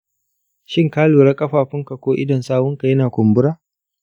shin ka lura ƙafafunka ko idon sawunka yana kumbura?